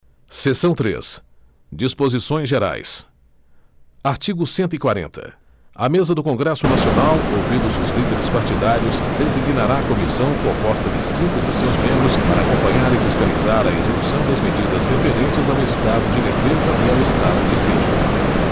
seção três disposições gerais artigo cento e quarenta a mesa do congresso nacional ouvidos os líderes partidários designará comissão composta de cinco de seus membros para acompanhar e fiscalizar a execução das medidas referentes ao estado de defesa e ao estado de sítio